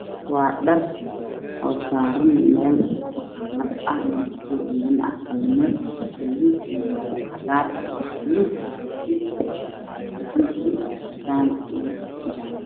Waa dhar saaran qaanad ah oo kala nuuc ah buluug, gaduud, cagaar, bingi, cadaan iyo jaale.